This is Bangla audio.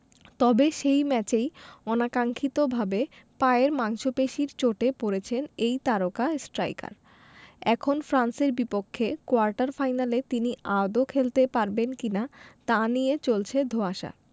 তবে সেই ম্যাচেই অনাকাঙ্ক্ষিতভাবে পায়ের মাংসপেশির চোটে পড়েছেন এই তারকা স্ট্রাইকার এখন ফ্রান্সের বিপক্ষে কোয়ার্টার ফাইনালে তিনি আদৌ খেলতে পারবেন কি না তা নিয়ে চলছে ধোঁয়াশা